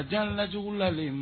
A danla jugu lalen